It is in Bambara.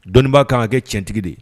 Dɔnnibaaa kan kɛ tiɲɛtigi de ye